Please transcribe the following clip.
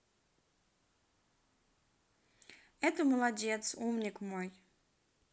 это молодец умник мой